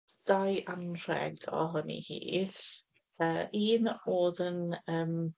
d- dau anrheg ohoni hi. Yy, un oedd yn, yym...